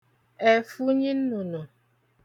ẹ̀funyi nnụ̀nụ̀